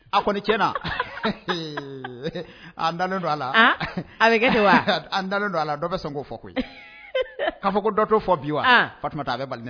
A kɔnni cɛn. . Aa n dalen don a la. An a bɛ kɛ ten wa ? N dalen don a la, dɔ bɛ sɔn ko fɔ koyi. k'a fɔ ko dɔ tɔ fɔ bi wa. Aa. Fatumata,a bɛ bali